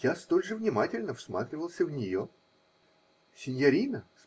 Я столь же внимательно всматривался в нее. -- Синьорина!